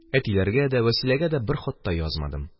Әтиләргә дә, Вәсиләгә дә бер хат та язмадым.